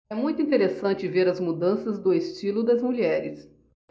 é muito interessante ver as mudanças do estilo das mulheres